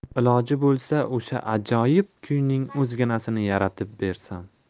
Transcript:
iloji bo'lsa o'sha ajoyib kuyning o'zginasini yaratib bersam